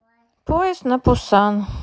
поезд на пусан